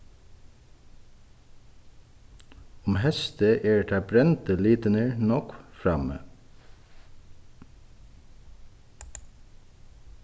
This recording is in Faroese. um heystið eru teir brendu litirnir nógv frammi